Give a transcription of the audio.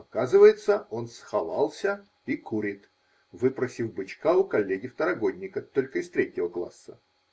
Оказывается, он "сховался" и курит, выпросив бычка у коллеги-второгодника, только из третьего класса.